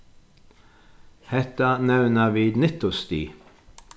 hetta nevna vit nyttustig